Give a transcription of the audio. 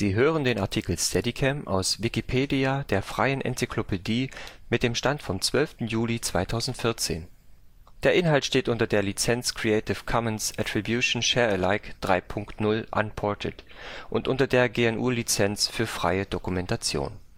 hören den Artikel Steadicam, aus Wikipedia, der freien Enzyklopädie. Mit dem Stand vom Der Inhalt steht unter der Lizenz Creative Commons Attribution Share Alike 3 Punkt 0 Unported und unter der GNU Lizenz für freie Dokumentation